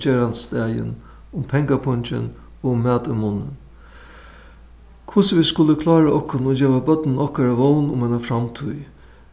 gerandisdagin um pengapungin og um mat í munnin hvussu vit skulu klára okkum og geva børnum okkara vón um eina framtíð